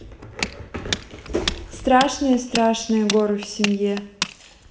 страшные страшные горы в семье